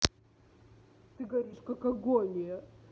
ты горишь как агония